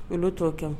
Olu'o kɛ